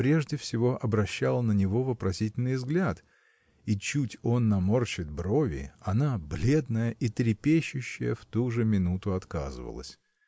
прежде всего обращала на него вопросительный взгляд – и чуть он наморщит брови она бледная и трепещущая в ту же минуту отказывалась.